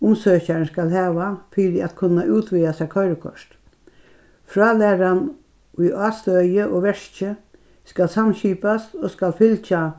umsøkjarin skal hava fyri at kunna útvega sær koyrikort frálæran í ástøði og verki skal samskipast og skal fylgja